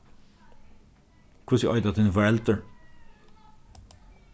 hvussu eita tíni foreldur